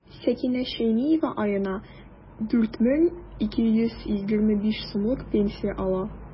Сәкинә Шәймиева аена 4 мең 225 сумлык пенсия ала.